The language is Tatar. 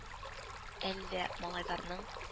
Әллә малайларның